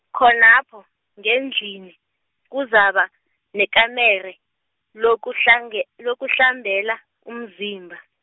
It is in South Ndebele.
khonapho, ngendlini, kuzaba nekamero, lokuhlange- lokuhlambela umzimba.